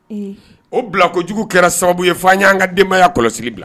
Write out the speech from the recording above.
O bilajugu kɛra sababu ye fɔ y'an ka denbaya kɔlɔsi bila